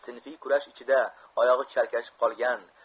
sinfiy kurash ichida oyog'i chalkashib qolgan